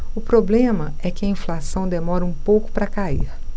o problema é que a inflação demora um pouco para cair